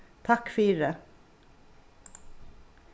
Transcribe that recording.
takk fyri